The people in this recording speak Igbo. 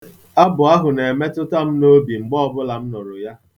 Abụ ahụ na-emetụta m n'obi mgbe ọbụla m nụrụ ya.